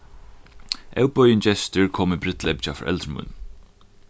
óboðin gestur kom í brúdleypið hjá foreldrum mínum